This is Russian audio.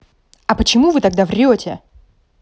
а почему вы тогда врете